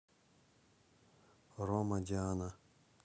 рома диана